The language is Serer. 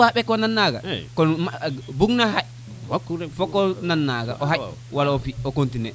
ɓekwa ɓkwa nan naga kon bug na xaƴfoko nan naga wala o fi o continuer